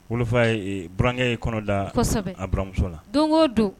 Wolofaurankɛ kɔnɔdasɛbɛ amuso la don o don